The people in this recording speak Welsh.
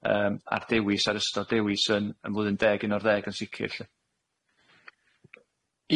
yym a'r dewis ar ystod dewis yn yn flwyddyn deg un o'r ddeg yn sicir lly.